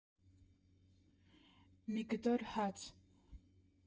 Մի կտոր հաց։